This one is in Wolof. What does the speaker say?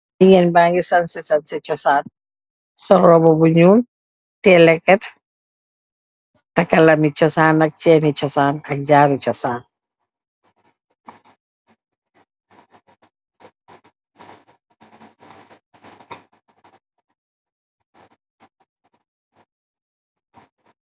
Jegain bage sanseh sanseh chusan sol rombu bu njol teyee leket taka lame chusan ak chine chusan ak jaaru chusan.